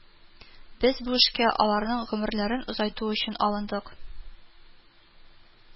Без бу эшкә аларның гомерләрен озайту өчен алындык